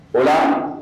O